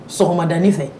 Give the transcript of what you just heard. Sɔgɔmadanin fɛ